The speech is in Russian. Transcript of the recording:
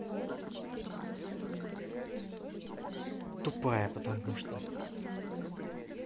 тупая потому что